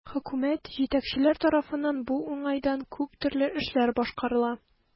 Хөкүмәт, җитәкчеләр тарафыннан бу уңайдан күп төрле эшләр башкарыла.